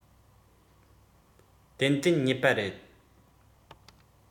ཏན ཏན རྙེད པ རེད